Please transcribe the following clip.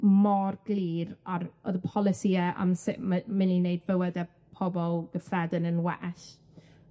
mor glir a r- o'dd y polisïe am sut ma' myn' i neud bywyde pobol gyffredin yn well.